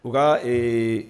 U ka